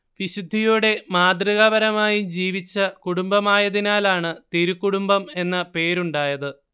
വിശുദ്ധിയോടെ മാതൃകാപരമായി ജീവിച്ച കുടുംബമായതിനാലാണ് തിരുക്കുടുംബം എന്ന പേരുണ്ടായത്